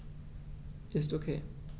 Ist OK.